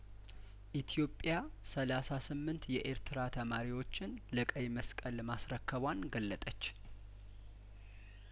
ኢትዮጵያሰላሳ ስምንት የኤርትራ ተማሪዎችን ለቀይመስቀል ማስረከቧን ገለጠች